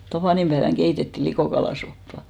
tapaninpäivänä keitettiin likokalasoppaa